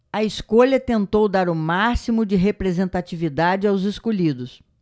a escolha tentou dar o máximo de representatividade aos escolhidos